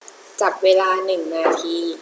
จับเวลาหนึ่งนาที